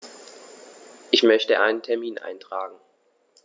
Ich möchte einen Termin eintragen.